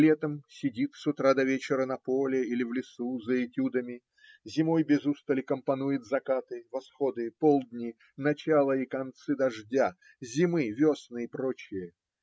летом сидит с утра до вечера на поле или в лесу за этюдами, зимой без устали компонует закаты, восходы, полдни, начала и концы дождя, зимы, весны и прочее.